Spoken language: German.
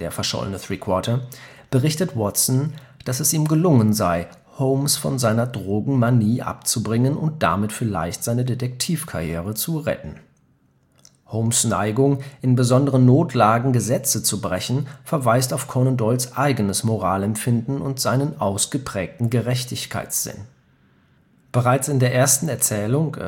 verschollene Three-Quarter) berichtet Watson, dass es ihm gelungen sei, Holmes von seiner „ Drogen-Manie “abzubringen und damit vielleicht seine Detektiv-Karriere zu retten. Holmes’ Neigung, in besonderen Notlagen Gesetze zu brechen, verweist auf Conan Doyles eigenes Moralempfinden und seinen ausgeprägten Gerechtigkeitssinn. Bereits in der ersten Erzählung